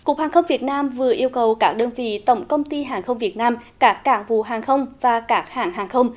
cục hàng không việt nam vừa yêu cầu các đơn vị tổng công ty hàng không việt nam các cảng vụ hàng không và các hãng hàng không